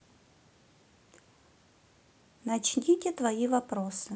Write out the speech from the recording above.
начните твои вопросы